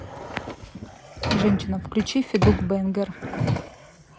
женщина включи feduk бэнгер